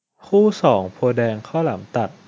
คู่สองโพธิ์แดงข้าวหลามตัด